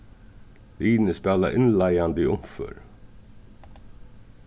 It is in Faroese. liðini spæla innleiðandi umfør